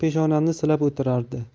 peshonamni silab o'tirardi